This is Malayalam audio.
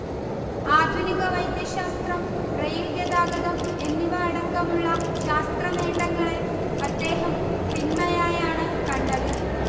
ആധുനിക വൈദ്യശാസ്ത്രം റെയിൽ ഗതാഗതം എന്നിവ അടക്കമുള്ള ശാസ്ത്രനേട്ടങ്ങളെ അദ്ദേഹം തിന്മയായാണ് കണ്ടത്